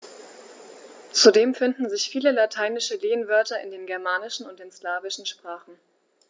Zudem finden sich viele lateinische Lehnwörter in den germanischen und den slawischen Sprachen.